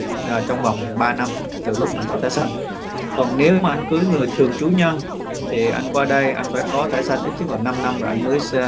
trong vòng ba năm từ lúc mình có thai sang còn nếu mà anh cưới người thường trú nhân thế anh qua đây anh phải có thẻ xanh ở chiếc vào năm năm rồi mới sang